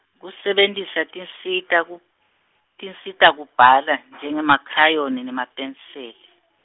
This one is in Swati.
kusebentisa tinsita, ku, tinsitakubhala, njengemakhrayoni nemapeniseli.